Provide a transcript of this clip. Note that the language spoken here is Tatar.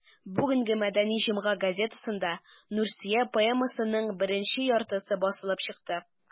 Бүгенге «Мәдәни җомга» газетасында «Нурсөя» поэмасының беренче яртысы басылып чыкты.